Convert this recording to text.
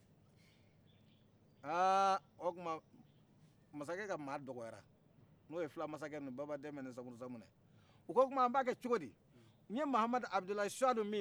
masakɛ ka maa dɔgɔyara n'o ye fulamasakɛ ninnu baba dɛmɛ ni samuru samunɛ u k'o tuma an b'a kɛ cogo di n ye mahamadu abudulayi suwadu min fɔ